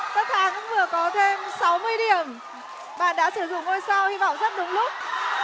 tất thắng vừa có thêm sáu mươi điểm bạn đã sử dụng ngôi sao hy vọng rất đúng lúc